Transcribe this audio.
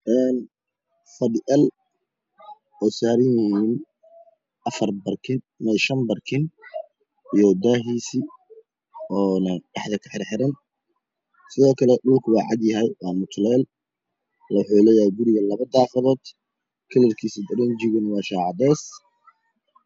Een fadhiyaal oo saaran yihiin 4 barkin maya 5 barkin iyo daahiisi ona dhaxda ka xirxiran sidoo kale dhuku wuu cadyahay waa mutuleel wuxuu leeyahay guriga 2 daaqadood kalarkiisa balonjigana waa shaah cadays ah